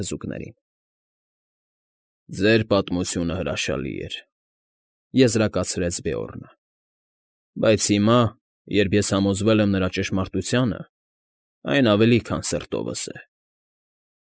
Թզուկներին։ ֊ Ձեր պատմությունը հրաշալի էր,֊ եզրակացրեց Բեորնը,֊ բայց հիմա, երբ ես համոզվել եմ նրա ճշմարությանը, այն ավելի քան սրտովս է։